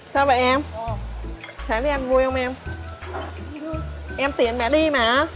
sao vậy em sáng đi ăn vui không em em tiễn mẹ đi mà